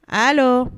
Paul